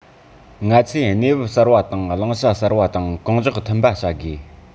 ང ཚོས གནས བབ གསར པ དང བླང བྱ གསར པ དང གང མགྱོགས མཐུན པ བྱ དགོས